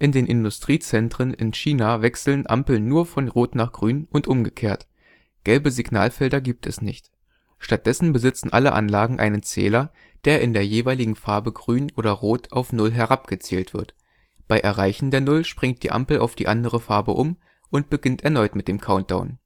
den Industriezentren in China wechseln Ampeln nur von Rot nach Grün und umgekehrt. Gelbe Signalfelder gibt es nicht. Stattdessen besitzen alle Anlagen einen Zähler, der in der jeweiligen Farbe Grün oder Rot auf null herabgezählt wird. Bei Erreichen der Null springt die Ampel auf die andere Farbe um und beginnt erneut mit dem Countdown